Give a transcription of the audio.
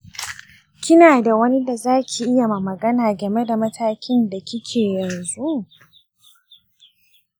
kina da wani da zaki iya ma magana game da matakin da kike yanzu?